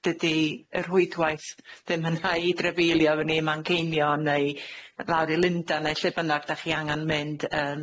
dydi y rhwydwaith ddim yna i drafeilio efo ni i Manceinion neu lawr i Lundan neu lle bynnag 'dach chi angan mynd, yym.